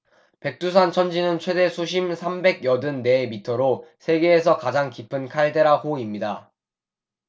백두산 천지는 최대 수심 삼백 여든 네 미터로 세계에서 가장 깊은 칼데라 호입니다